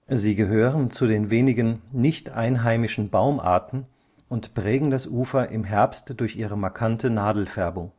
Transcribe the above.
Sie gehören zu den wenigen nicht-einheimischen Baumarten und prägen das Ufer im Herbst durch ihre markante Nadelfärbung